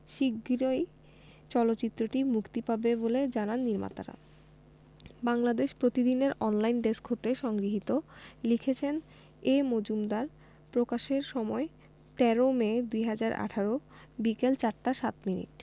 শিগগিরই চলচ্চিত্রটি মুক্তি পাবে বলে জানান নির্মাতা বাংলাদেশ প্রতিদিন এর অনলাইন ডেস্ক হতে সংগৃহীত লিখেছেনঃ এ মজুমদার প্রকাশের সময় ১৩মে ২০১৮ বিকেল ৪ টা ০৭ মিনিট